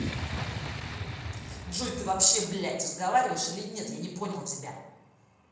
джой ты вообще блядь разговариваешь или нет я не понял тебя